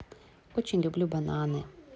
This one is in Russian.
очень люблю бананы